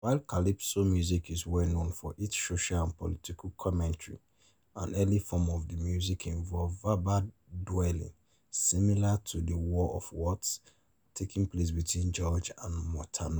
While calypso music is well known for its social and political commentary, an early form of the music involved verbal dueling similar to the war of words taking place between George and Montano.